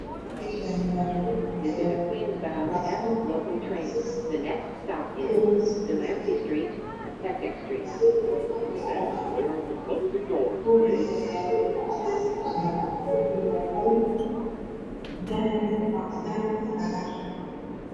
Meeahani waa qol waxaa yaalo kuraas misas kalarkisu uu yahay madaw oo qaxwi ah o cagagr ha rooga ayaa yaalo oo cadayi iyo cagaar ah daahana waa cadaan iyo cagaar